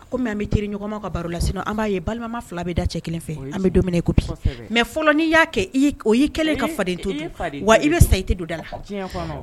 A komi an bɛ teriɲɔgɔnw ka baro la sinon an b'a ye balimama fila bɛ da cɛ kelen fɛ an bɛ don min na i ko bi, kosɛbɛ, mais fɔlɔ n'i y'a kɛ o y'i kɛlen ka fadento dun, wa i bɛ sa i tɛ don da la, diɲɛ kɔnɔ